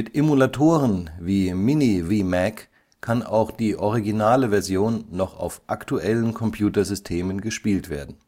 Emulatoren, wie MiniVMac kann auch die originale Version noch auf aktuellen Computer-Systemen gespielt werden